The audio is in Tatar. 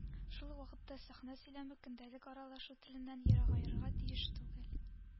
Шул ук вакытта сәхнә сөйләме көндәлек аралашу теленнән ерагаерга тиеш түгел.